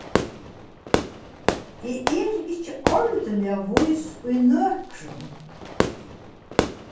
eg eri ikki ordiliga vís í nøkrum